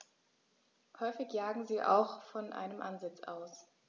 Häufig jagen sie auch von einem Ansitz aus.